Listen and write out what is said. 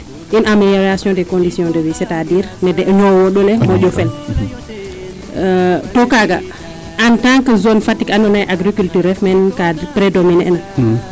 une amelioration des condition de vie c' est a dire o ñowoondole moƴo fel to kaaga en tant que zone Fatick ando naye agriculture ref meen cadre predominer na